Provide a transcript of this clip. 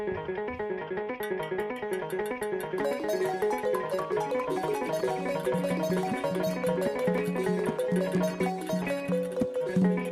San